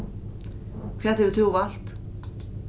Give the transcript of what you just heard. hvat hevur tú valt